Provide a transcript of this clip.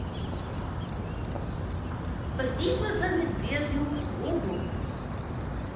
спасибо за медвежью услугу